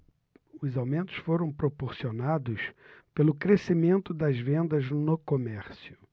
os aumentos foram proporcionados pelo crescimento das vendas no comércio